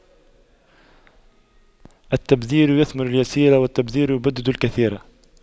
التدبير يثمر اليسير والتبذير يبدد الكثير